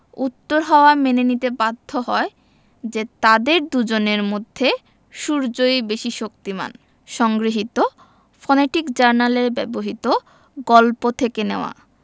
উত্তর হাওয়া মেনে নিতে বাধ্য হয় যে তাদের দুজনের মধ্যে সূর্যই বেশি শক্তিমান সংগৃহীত ফনেটিক জার্নালে ব্যবহিত গল্প থেকে নেওয়া